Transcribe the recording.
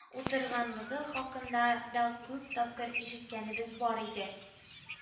Утырганлыгы хакында да күп тапкыр ишеткәнебез бар иде